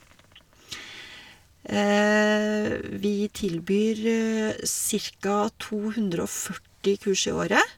Vi tilbyr cirka to hundre og førti kurs i året.